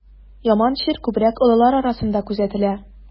Яман чир күбрәк олылар арасында күзәтелә.